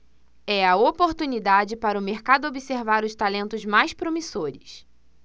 é a oportunidade para o mercado observar os talentos mais promissores